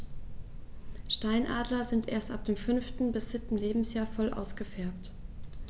Steinadler sind erst ab dem 5. bis 7. Lebensjahr voll ausgefärbt.